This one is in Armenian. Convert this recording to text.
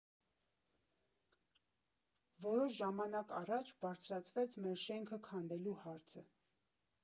Որոշ ժամանակ առաջ բարձրացվեց մեր շենքը քանդելու հարցը։